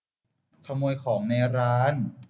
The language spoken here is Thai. ขโมยของในร้าน